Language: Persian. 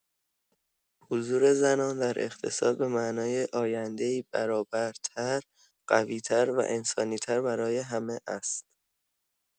حضور زنان در اقتصاد به معنای آینده‌ای برابرتر، قوی‌تر و انسانی‌تر برای همه است.